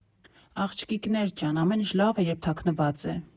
«Աղջկիկներ ջան, ամեն ինչ լավ է, երբ թաքնված է»։